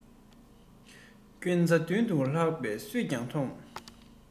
རྐྱེན རྩ མདུན དུ ལྷག པ སུས ཀྱང མཐོང